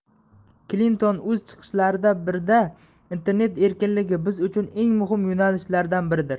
klinton o'z chiqishlaridan birida internet erkinligi biz uchun eng muhim yo'nalishlardan biridir